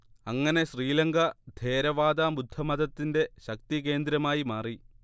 അങ്ങനെ ശ്രീലങ്ക ഥേരവാദ ബുദ്ധമതത്തിന്റെ ശക്തികേന്ദ്രമായി മാറി